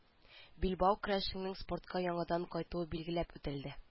Билбау көрәшенең спортка яңадан кайтуы билгеләп үтелде